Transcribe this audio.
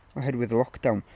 oherwydd y lockdown...